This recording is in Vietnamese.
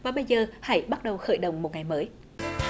mà bây giờ hãy bắt đầu khởi động một ngày mới